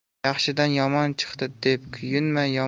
yaxshidan yomon chiqdi deb kuyinma